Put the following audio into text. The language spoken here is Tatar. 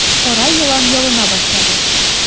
Кара елан ялына башлады.